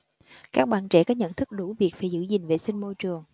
các bạn trẻ có nhận thức đủ việc phải giữ gìn vệ sinh môi trường